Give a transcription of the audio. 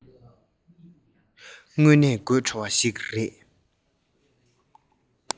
དངོས གནས དགོད བྲོ བ ཞིག རེད